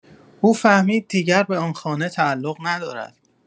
او فهمید دیگر به آن خانه تعلق ندارد.